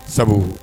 Sabu